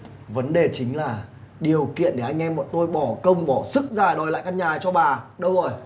vấn đề chính là điều kiện để anh em bọn tôi bỏ công bỏ sức ra đòi lại căn nhà này cho bà đâu rồi